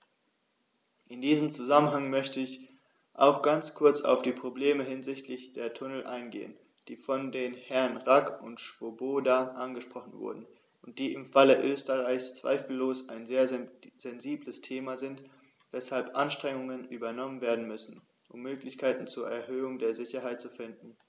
In diesem Zusammenhang möchte ich auch ganz kurz auf die Probleme hinsichtlich der Tunnel eingehen, die von den Herren Rack und Swoboda angesprochen wurden und die im Falle Österreichs zweifellos ein sehr sensibles Thema sind, weshalb Anstrengungen unternommen werden müssen, um Möglichkeiten zur Erhöhung der Sicherheit zu finden.